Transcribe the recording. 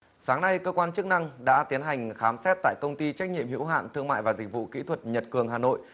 sáng nay cơ quan chức năng đã tiến hành khám xét tại công ty trách nhiệm hữu hạn thương mại và dịch vụ kỹ thuật nhật cường hà nội